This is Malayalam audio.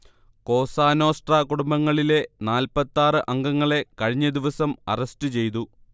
കോസാനോസ്ട്രാ കുടുംബങ്ങളിലെ നാൽപത്തി ആറ് അംഗങ്ങളെ കഴിഞ്ഞദിവസം അറസ്റ്റ് ചെയ്തു